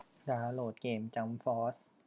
ดาวโหลดเกมจั้มฟอส